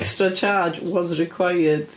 extra charge was required...